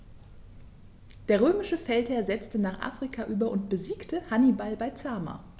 Der römische Feldherr setzte nach Afrika über und besiegte Hannibal bei Zama.